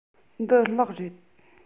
འདི གློག རེད